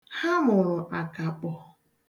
Ha mụrụ akakpọ.